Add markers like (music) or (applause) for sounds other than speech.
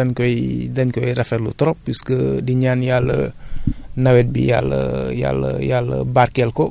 (hesitation) waaw (hesitation) vraiment (hesitation) loolu moom dan koy (hesitation) dañ koy rafetlu trop puisque di ñaan Yàlla (noise) nawet bi Yàlla Yàlla Yàlla barkeel ko